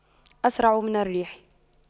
أسرع من الريح